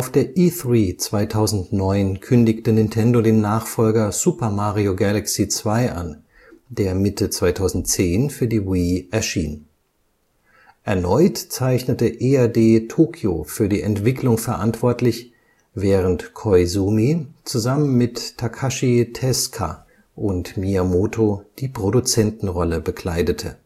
der E³ 2009 kündigte Nintendo den Nachfolger Super Mario Galaxy 2 an, der Mitte 2010 für die Wii erschien. Erneut zeichnete EAD Tokyo für die Entwicklung verantwortlich, während Koizumi zusammen mit Takashi Tezuka und Miyamoto die Produzenten-Rolle bekleidete